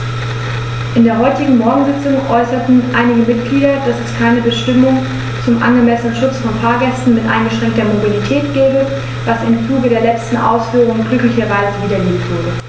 In der heutigen Morgensitzung äußerten einige Mitglieder, dass es keine Bestimmung zum angemessenen Schutz von Fahrgästen mit eingeschränkter Mobilität gebe, was im Zuge der letzten Ausführungen glücklicherweise widerlegt wurde.